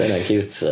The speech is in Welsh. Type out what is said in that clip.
'Sa hynna'n ciwt 'sa.